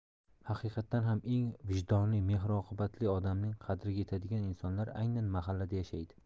haqiqatan ham eng vijdonli mehr oqibatli odamning qadriga yetadigan insonlar aynan mahallada yashaydi